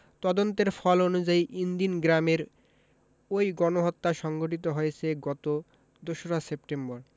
তদন্তের ফল অনুযায়ী ইনদিন গ্রামের ওই গণহত্যা সংঘটিত হয়েছে গত ২রা সেপ্টেম্বর